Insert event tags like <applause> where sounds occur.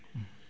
<hesitation> <hesitation>